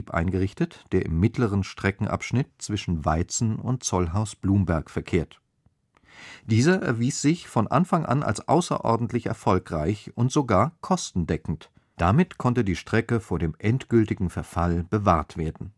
eingerichtet, der aber nur im mittleren Streckenabschnitt zwischen Weizen und Zollhaus-Blumberg verkehrt. Dieser erwies sich von Anfang an als außerordentlich erfolgreich und sogar kostendeckend. Damit konnte die Strecke vor dem endgültigen Verfall bewahrt werden